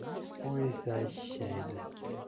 u esa ishshaydi